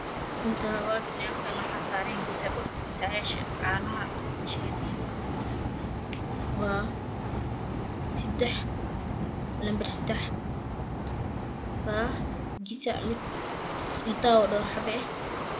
Halkan wakanaa waxaa saran gasaco gasacyaasha caana sida shafida waa sadex number sadex waa gasac mid sitaawo oo sadex xaba ah